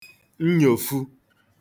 nnyòfu